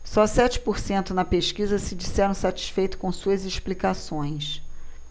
só sete por cento na pesquisa se disseram satisfeitos com suas explicações